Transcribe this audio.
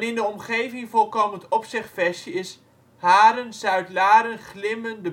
de omgeving voorkomend opzegversje is Haren, Zuidlaren, Glimmen